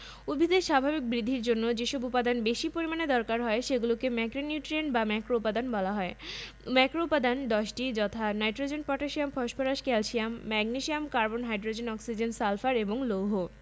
উদ্ভিদের স্বাভাবিক বৃদ্ধির জন্য যেসব উপাদান বেশি পরিমাণে দরকার হয় সেগুলোকে ম্যাক্রোনিউট্রিয়েন্ট বা ম্যাক্রোউপাদান বলা হয় ম্যাক্রোউপাদান 10টি যথা nitrogen potassium phosphorus calcium magnesium carbon hydrogen oxygen sulphur এবং লৌহ